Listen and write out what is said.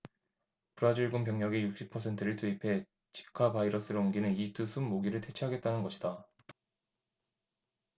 브라질 군 병력의 육십 퍼센트를 투입해 지카 바이러스를 옮기는 이집트 숲 모기를 퇴치하겠다는 것이다